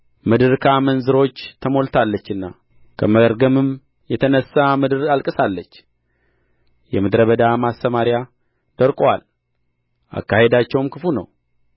ምድር ከአመንዝሮች ተሞልታለችና ከመርገምም የተነሣ ምድር አልቅሳለች የምድረ በዳ ማሰማርያ ደርቆአል አካሄዳቸው ክፉ ነው